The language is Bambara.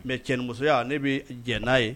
Mais cɛnimusoya ne bee jɛ n'a ye